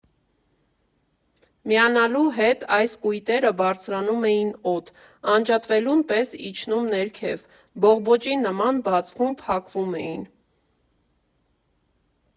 Միանալու հետ այս կույտերը բարձրանում էին օդ, անջատվելուն պես՝ իջնում ներքև։ Բողբոջի նման բացվում֊փակվում էին։